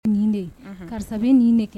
Nin de ye. karisa bɛ nin nɛkɛn